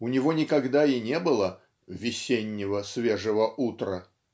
у него никогда и не было "весеннего свежего утра"